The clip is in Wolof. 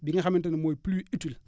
bi nga xamante ni mooy pluie utile